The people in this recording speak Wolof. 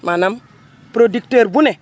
maanaam producteur bu ne